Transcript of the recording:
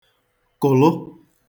kụ̀lụ